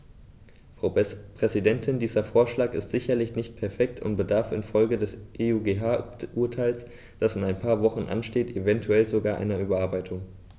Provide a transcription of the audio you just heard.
Frau Präsidentin, dieser Vorschlag ist sicherlich nicht perfekt und bedarf in Folge des EuGH-Urteils, das in ein paar Wochen ansteht, eventuell sogar einer Überarbeitung.